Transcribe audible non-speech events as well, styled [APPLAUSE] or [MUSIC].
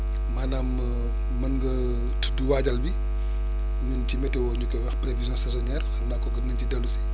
maanaam [HESITATION] mën nga tudd waajal bi ñun ci météo ñu koy wax prévision saisonnière xam naa nañ ci dellu si